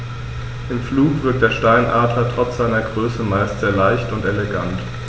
Im Flug wirkt der Steinadler trotz seiner Größe meist sehr leicht und elegant.